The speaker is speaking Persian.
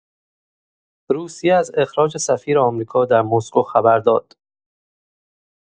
روسیه از اخراج سفیر آمریکا در مسکو خبر داد.